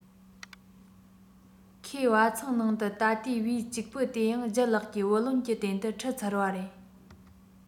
ཁོས བ ཚང ནང དུ ལྟ དུས བེའུ གཅིག པུ དེ ཡང ལྗད ལགས ཀྱིས བུ ལོན གྱི རྟེན དུ ཁྲིད ཚར བ རེད